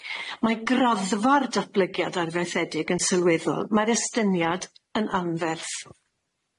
Mae graddfa'r datblygiad adfeithiedig yn sylweddol, mae'r estyniad yn anferth.